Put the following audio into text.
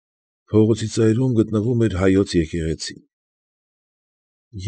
Փողոցի ծայրում գտնվում էր հայոց եկեղեցին։